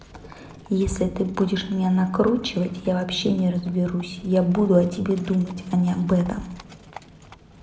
если ты будешь меня накручивать я вообще не разберусь я буду о тебе думать а не об этом